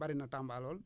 bari na Tamba lool